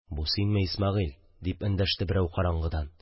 – бу синме, исмәгыйль? – дип эндәште берәү караңгыдан.